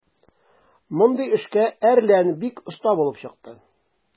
Мондый эшкә "Әрлән" бик оста булып чыкты.